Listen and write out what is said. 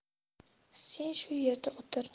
sen shu yerda o'tir